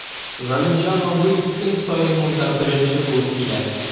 Галимҗан абый көн саен монда беренче булып килә.